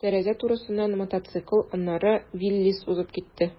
Тәрәзә турысыннан мотоцикл, аннары «Виллис» узып китте.